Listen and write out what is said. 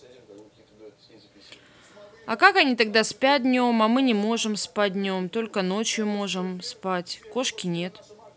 а как они тогда спят днем а мы не можем спать днем только ночью можем спать кошки нет